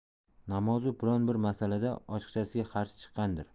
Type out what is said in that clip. namozov biron bir masalada ochiqchasiga qarshi chiqqandir